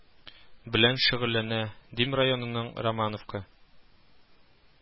Белән шөгыльләнә, дим районының романовка